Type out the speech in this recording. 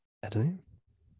Ydyn ni?